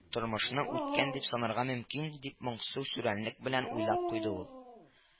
Ормышны үткән дип санарга мөмкин,—дип моңсу сүрәнлек белән уйлап куйды ул.—